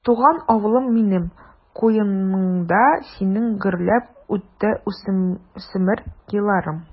Туган авылым минем, куеныңда синең гөрләп үтте үсмер елларым.